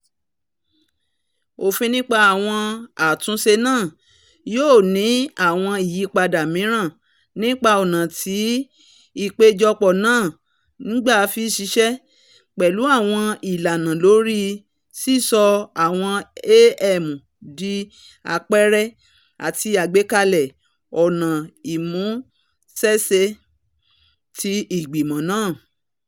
Òfin nípa àwọn àtúnṣe náà yóò ní àwọn ìyípadà miran nípa ọna ti ipejọpọ na ńgbà fi ṣiṣẹ, pẹlu àwọn ìlànà lórí sísọ awọn AM di àpẹẹrẹ ati agbekalẹ ọna ìmúṣẹṣe ti igbimọ naa.